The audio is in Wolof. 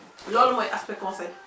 loolu mooy aspect conseil